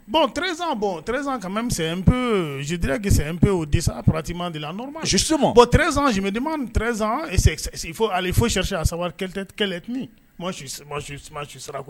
Bon trsan bɔn tz ka misɛnp pe zzdra gesesɛp peo desapratima de la susu tzsan sdi tz ali fo sisi asat sara